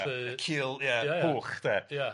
Fatha cul ia... Ia ia. ...hwch de. Ia.